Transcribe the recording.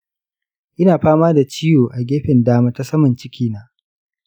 ina fama da ciwo a gefen dama ta saman cikin na.